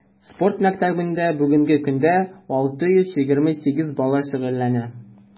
Спорт мәктәбендә бүгенге көндә 628 бала шөгыльләнә.